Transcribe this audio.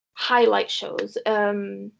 highlight shows, yym.